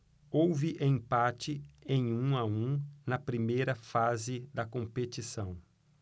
houve empate em um a um na primeira fase da competição